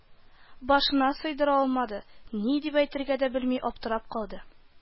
Башына сыйдыра алмады, ни дип әйтергә дә белми аптырап калды